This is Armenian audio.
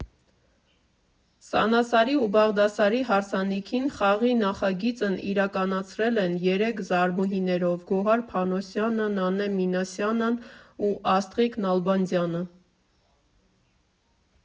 Սանասարի ու Բաղդասարի հարսանիքին Խաղի նախագիծն իրականացրել են երեք զարմուհիներով՝ Գոհար Փանոսյանը, Նանե Մինասյանն ու Աստղիկ Նալբանդյանը։